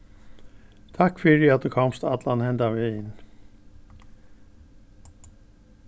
takk fyri at tú komst allan henda vegin